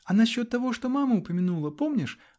-- А насчет того, что мама упомянула -- помнишь?